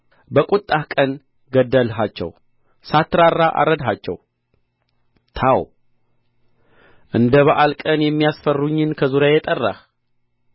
በቍጣህ ቀን ገደልሃቸው ሳትራራ አረድሃቸው ታው እንደ በዓል ቀን የሚያስፈሩኝን ከዙሪያዬ ጠራህ